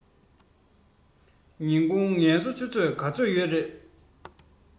ཉིན གུང ངལ གསོ ཆུ ཚོད ག ཚོད ཡོད རས